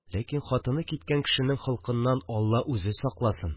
Ләкин хатыны киткән кешенең холкыннан алла үзе сакласын